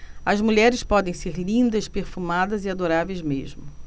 as mulheres podem ser lindas perfumadas e adoráveis mesmo